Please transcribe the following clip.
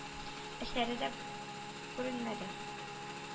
Әсәре дә күренмәде.